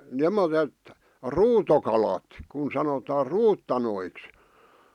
semmoiset ruutokalat kun sanotaan ruutanoiksi